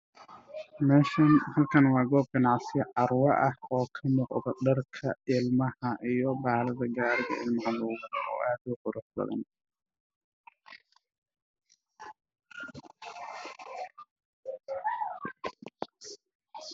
meeshaani halkaan waa goob ganacsi oo carwo ah ka muuqdo dharka ilmaha iyo bahlaha gaariga ilmaha oo aad u qurux badan.